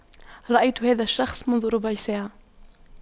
رأيت هذا الشخص منذ ربع ساعة